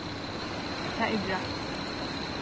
tað er greitt